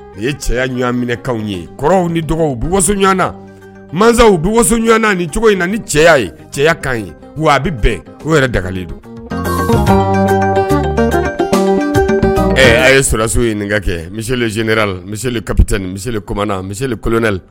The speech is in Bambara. Nin ye cɛya ɲɔgɔn minɛkaw ye kw ni dɔgɔw bi waso ɲɔgɔnna masaw bi waso ɲɔgɔnna ni cogo in na ni cɛ ye cɛya kan ye a bɛ bɛn'o yɛrɛ dagalen don a ye sudasiw ye ɲininka ka kɛ mi zera mi kate ni mikmanna mieliɛ la